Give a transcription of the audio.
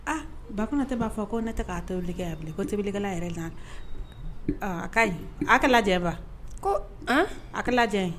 Aa b Kɔnatɛ b'a fɔ ko ne tɛ k'a tobili kɛ a bilen ko tobilikɛla yɛrɛ la, ɔ a ka ɲi, a ka lajɛ ba, ko an, a ka lajɛ n ye